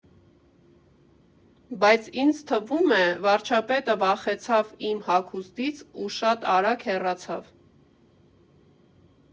Բայց ինձ թվում է՝ վարչապետը վախեցավ իմ հագուստից ու շատ արագ հեռացավ։